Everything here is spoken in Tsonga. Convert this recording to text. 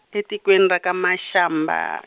etikweni ra ka Mashamba.